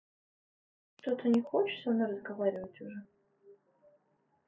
что ты не хочешь со мной разговаривать уже